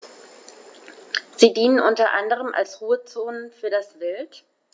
Sie dienen unter anderem als Ruhezonen für das Wild.